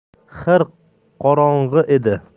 xir qorongi edi